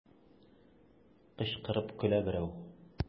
Кычкырып көлә берәү.